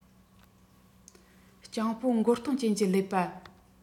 སྤྱང པོ མགོ སྟོང ཅན གྱི ཀླད པ